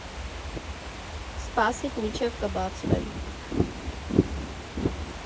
Սպասիր մինչև կբացվեն։